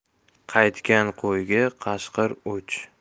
qaytgan qo'yga qashqir o'ch